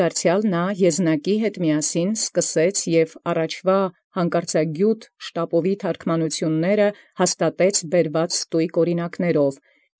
Դարձեալ յետ այնորիկ առեալ հանդերձ Եզնակաւ զյառաջագոյն զյանկարծագիւտ զփութանակի զթարգմանութիւնս հաստատէր ճշմարիտ աւրինակաւք բերելովք։